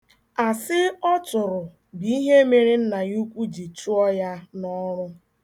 Asị ọ tụrụ bụ ihe mere nna ya ukwu ji chụọ ya n'ọrụ.